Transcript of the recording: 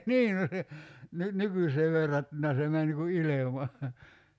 niin no se nyt nykyiseen verrattuna se meni niin kuin ilman